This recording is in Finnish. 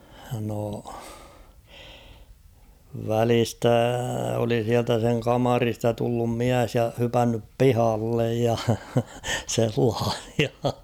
no välistä oli sieltä sen kamarista tullut mies ja hypännyt pihalle ja sellaisia